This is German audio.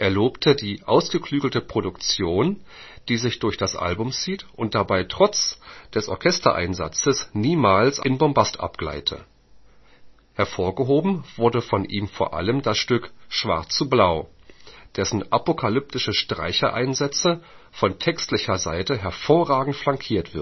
lobte die „ ausgeklügelte Produktion “, die sich durch das Album ziehe und dabei trotz des Orchestereinsatzes niemals in Bombast abgleite. Hervorgehoben wurde von ihm vor allem das Stück Schwarz zu blau dessen „ apokalyptische Streicher-Einsätze […] von textlicher Seite hervorragend flankiert